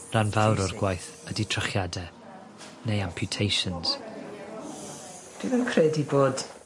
Rhan fawr o'r gwaith ydy trychiade, neu amputations. Dwi ddim credu bod